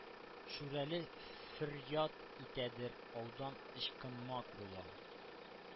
Шүрәле фөрьяд итәдер; аудан ычкынмак була,